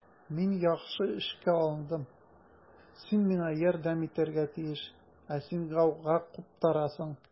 Мин яхшы эшкә алындым, син миңа ярдәм итәргә тиеш, ә син гауга куптарасың.